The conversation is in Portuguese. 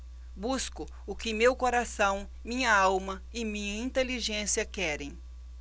busco o que meu coração minha alma e minha inteligência querem